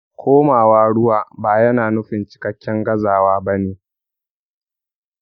komawa ruwa ba yana nufin cikakken gazawa bane.